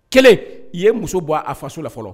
Kelen, i ye muso bɔ a faso la fɔlɔ